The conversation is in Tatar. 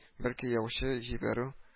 Бәлки яучы җибәрү